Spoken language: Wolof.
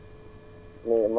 waaw waaw